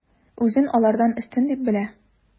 Үзен алардан өстен дип белә.